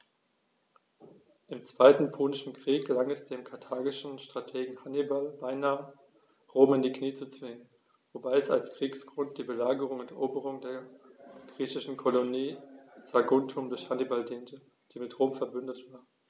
Im Zweiten Punischen Krieg gelang es dem karthagischen Strategen Hannibal beinahe, Rom in die Knie zu zwingen, wobei als Kriegsgrund die Belagerung und Eroberung der griechischen Kolonie Saguntum durch Hannibal diente, die mit Rom „verbündet“ war.